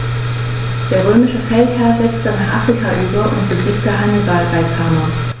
Der römische Feldherr setzte nach Afrika über und besiegte Hannibal bei Zama.